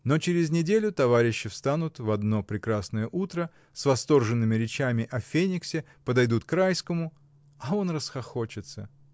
Но через неделю товарищи встанут в одно прекрасное утро с восторженными речами о фениксе, подойдут к Райскому, а он расхохочется.